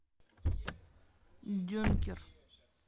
дюнкерк